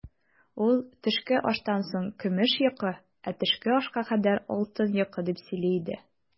Ул, төшке аштан соң көмеш йокы, ә төшке ашка кадәр алтын йокы, дип сөйли иде.